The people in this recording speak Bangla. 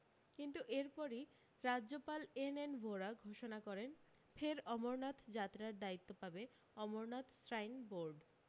কিন্তু এরপরি রাজ্যপাল এন এন ভোরা ঘোষণা করেন ফের অমরনাথ যাত্রার দায়িত্ব পাবে অমরনাথ শ্রাইন বোরড